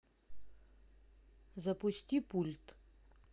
запусти пульт